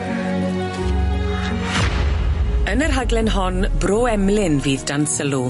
Yn y rhaglen hon, Bro Emlyn fydd dan sylw.